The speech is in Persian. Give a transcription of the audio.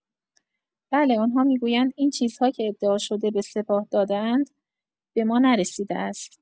بله آنها می‌گویند این چیزها که ادعا شده به سپاه داده‌اند، به ما نرسیده است.